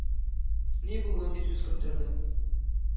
-ни булган?-дип сүз кайтарды.